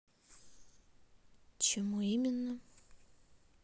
чему именно